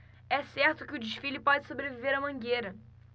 é certo que o desfile pode sobreviver à mangueira